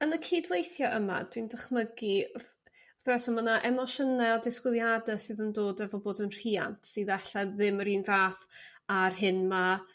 yn y cydweithio yma dwi'n dychmygu wrth reswm ma' 'na emosiyne a disgwyliade sydd yn dod efo bod yn rhiant sydd ella ddim yr un fath a'r hyn ma'